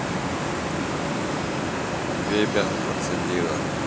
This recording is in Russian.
вебер зацепила